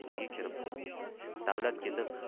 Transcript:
ichiga kirib bo'lmasa